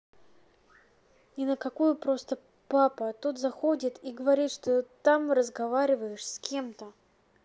ни на какую просто папа тут заходит и говорит что ты там разговариваешь с кем то